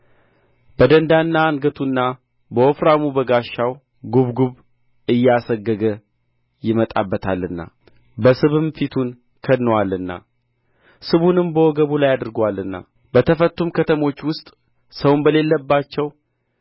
በደንዳና አንገቱና በወፍራሙ በጋሻው ጕብጕብ እየሠገገ ይመጣበታልና በስብም ፊቱን ከድኖአልና ስቡንም በወገቡ ላይ አድርጓልና በተፈቱም ከተሞች ውስጥ ሰውም በሌለባቸው